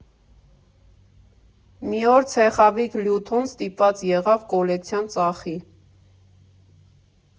Մի օր ցեխավիկ Լյութոն ստիպված եղավ կոլեկցիան ծախի։